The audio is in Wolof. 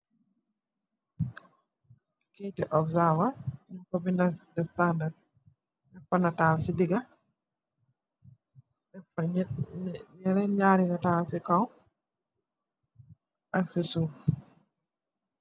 Keith observer yunfa bendah the standard , defah natal si dikaah , defahh Yeneen njareh natah si kaaw ak si suff